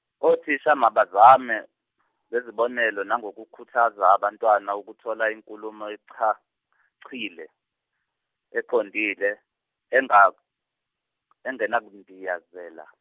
othisha mabazame, ngesibonelo nangokukhuthaza abantwana ukuthola inkulumo echachile, eqondile enga- engenakundiyazela.